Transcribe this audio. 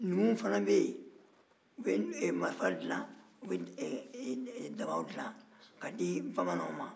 numuw fana bɛ yen u bɛ marifa dilan u bɛ dabaw dila k'a di sɛnɛkɛlaw